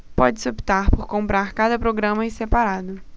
pode-se optar por comprar cada programa em separado